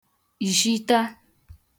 jhịta